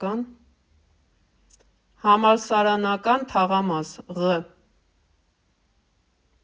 Համալսարանական թաղամաս ֊ Ղ.